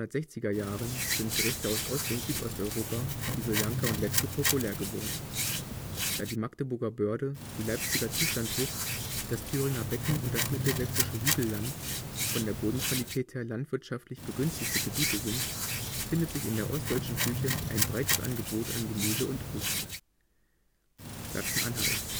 1960er Jahren sind Gerichte aus Ost - und Südosteuropa wie Soljanka oder Letscho populär geworden. Da die Magdeburger Börde, die Leipziger Tieflandbucht, das Thüringer Becken und das Mittelsächsische Hügelland von der Bodenqualität her landwirtschaftlich begünstigte Gebiete sind, findet sich in der ostdeutschen Küche ein breites Angebot an Gemüse und Obst. Sachsen-Anhalt